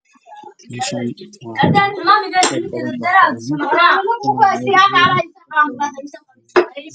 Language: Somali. Waa hool waxaa fadhiya niman iyo naago waxaa yaalo miis